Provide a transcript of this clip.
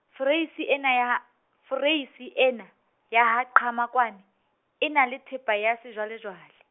Foreisi ena ya ha, Foreisi ena, ya ha Qhamakwane, e na le thepa ya sejwalejwale.